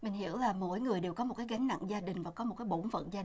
mình hiểu là mỗi người đều có một cái gánh nặng gia đình và có một cái bổn phận gia